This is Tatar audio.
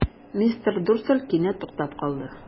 Мистер Дурсль кинәт туктап калды.